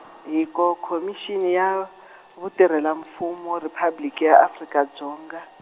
hiko Khomixini ya, Vutirhela-Mfumo Riphabliki ya Afrika Dzonga.